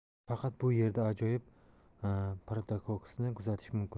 faqat bu erda ajoyib paradoksni kuzatish mumkin